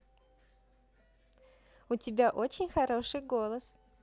у тебя очень хороший голос